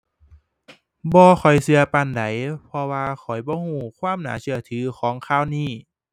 บ่ค่อยเชื่อปานใด เพราะว่าข้อยบ่เชื่อความน่าเชื่อถือของข่าวนี้